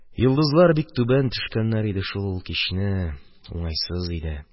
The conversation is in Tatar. Йолдызлар бик түбән төшкәннәр иде шул ул кичне, уңайсыз иде.